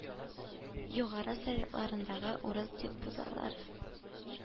Югары Советларындагы урыс депутатлары,